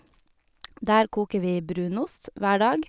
Der koker vi brunost hver dag.